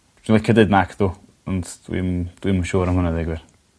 dwi'n licio deud nacdw ond dwi'm dwi'n yn siŵr am hwnna ddeu gwir.